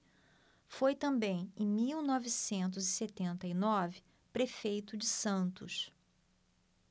foi também em mil novecentos e setenta e nove prefeito de santos